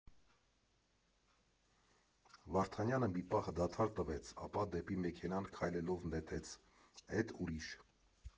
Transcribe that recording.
Վարդանյանը մի պահ դադար տվեց, ապա դեպի մեքենան քայլելով նետեց,֊ Էտ ուրիշ…